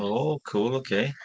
O! Cŵl ocê.